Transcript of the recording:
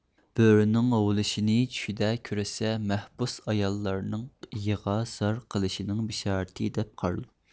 بۆرىنىڭ ھوۋلىشىنى چۈشىدە كۆرسە مەھبۇس ئاياللارنىڭ يېغا زار قىلىشىنىڭ بىشارىتى دەپ قارىلىدۇ